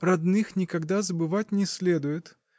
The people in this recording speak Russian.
Родных никогда забывать не следует.